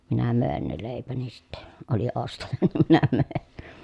minä möin ne leipäni sitten oli ostaja niin minä möin